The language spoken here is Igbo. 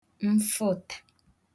mfụtā